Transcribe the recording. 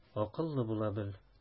Акыллы була бел.